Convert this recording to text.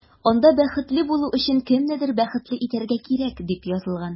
Анда “Бәхетле булу өчен кемнедер бәхетле итәргә кирәк”, дип язылган.